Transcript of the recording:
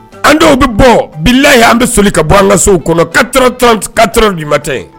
An dɔw bɛ bɔ bila an bɛ so ka bɔ an lasesow kɔnɔ ka katɛ